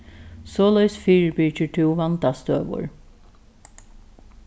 soleiðis fyribyrgir tú vandastøður